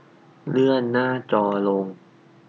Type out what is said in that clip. เลื่อนหน้าจอลง